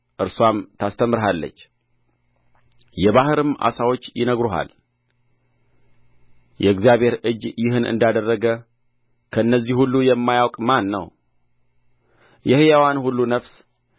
እርስዋም ታስተምርሃለች የባሕርም ዓሣዎች ይነግሩሃል የእግዚአብሔር እጅ ይህን እንዳደረገ ከእነዚህ ሁሉ የማያውቅ ማን ነው የሕያዋን ሁሉ ነፍስ